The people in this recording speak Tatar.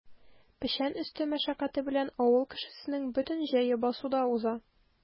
Печән өсте мәшәкате белән авыл кешесенең бөтен җәе басуда уза.